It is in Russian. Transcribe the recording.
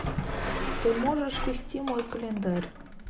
ты можешь вести мой календарь